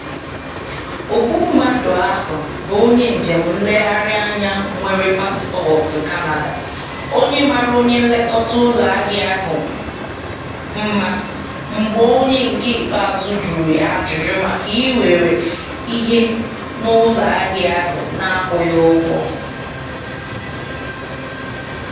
Ogbu mmadụ ahụ bụ onye njem nlegharị anya nwere pasịpọọtụ Canada, onye mara onye nlekọta ụlọ ahịa ahụ mma mgbe onye nke ikpeazụ jụrụ ya ajụjụ maka iwere ihe n'ụlọ ahịa ahụ n'akwụghị ụgwọ.